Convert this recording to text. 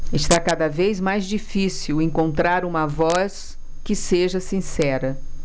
está cada vez mais difícil encontrar uma voz que seja sincera